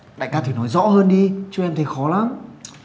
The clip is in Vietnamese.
đại ca thử nói rõ hơn đi chứ em thấy khó lắm